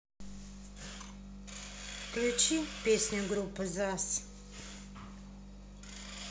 включи песню группы заз